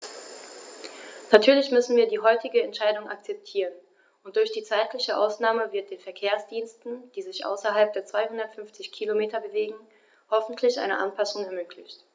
Natürlich müssen wir die heutige Entscheidung akzeptieren, und durch die zeitliche Ausnahme wird den Verkehrsdiensten, die sich außerhalb der 250 Kilometer bewegen, hoffentlich eine Anpassung ermöglicht.